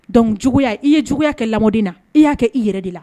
Dɔnkuc juguya i ye juguya kɛ laden na i y'a kɛ i yɛrɛ de la